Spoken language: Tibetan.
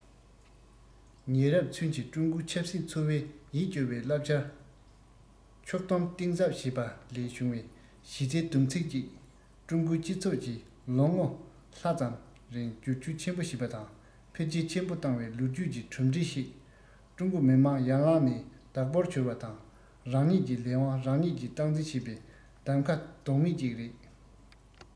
ཉེ རབས ཚུན གྱི ཀྲུང གོའི ཆབ སྲིད འཚོ བའི ཡིད སྐྱོ བའི བསླབ བྱར ཕྱོགས སྡོམ གཏིང ཟབ བྱས པ ལས བྱུང བའི གཞི རྩའི བསྡོམས ཚིག ཅིག ཀྲུང གོའི སྤྱི ཚོགས ཀྱིས ལོ ངོ ལྷག ཙམ རིང སྒྱུར བཅོས ཆེན པོ བྱས པ དང འཕེལ རྒྱས ཆེན པོ བཏང བའི ལོ རྒྱུས ཀྱི གྲུབ འབྲས ཤིག ཀྲུང གོ མི དམངས ཡར ལངས ནས བདག པོར གྱུར པ དང རང ཉིད ཀྱི ལས དབང རང ཉིད ཀྱིས སྟངས འཛིན བྱས པའི གདམ ག ལྡོག མེད ཅིག རེད